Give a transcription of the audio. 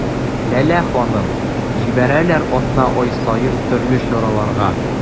Ләлә ханым: җибәрәләр атна-ай саен төрле чараларга.